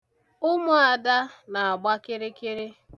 Ụmụ Ada na-agba kịrịkịrị.